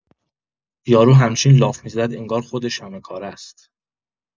یارو همچین لاف می‌زد انگار خودش همه کاره‌ست!